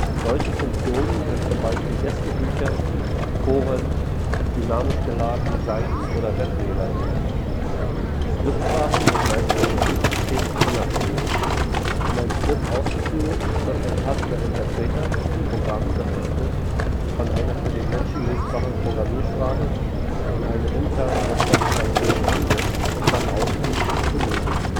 Solche Funktionen sind zum Beispiel Gästebücher, Foren, dynamisch geladene Seiten oder Webmailer. Skriptsprachen sind meist vom Betriebssystem unabhängig. Um ein Skript auszuführen, wird ein passender Interpreter – ein Programm, das das Skript von einer für den Menschen lesbaren Programmiersprache in eine interne Repräsentation umsetzt und dann ausführt – benötigt